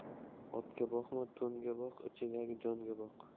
otga boqma to'nga boq ichidagi jonga boq